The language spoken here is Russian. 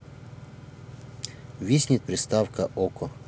виснет приставка окко